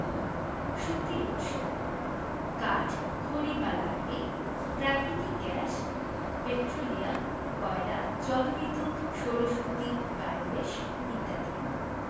শক্তির উৎসঃ কাঠ খড়ি বা লাকড়ি প্রাকৃতিক গ্যাস পেট্রোলিয়াম কয়লা জলবিদ্যুৎ সৌরশক্তি বায়োগ্যাস ইত্যাদি